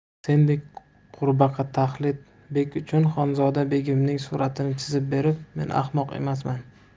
sendek qurbaqataxlit bek uchun xonzoda begimning suratini chizib berib men ahmoq emasmen